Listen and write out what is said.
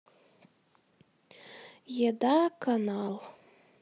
еда канал